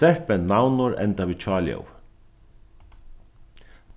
sterkt bend navnorð enda við hjáljóði